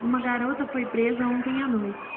uma garota foi presa ontem à noite